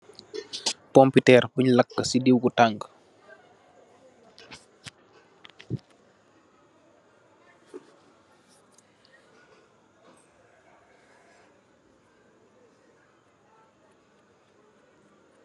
Pompitèèr buñ lak ci diw ngu tanga.